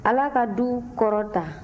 ala ka du kɔrɔta